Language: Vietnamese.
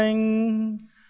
anh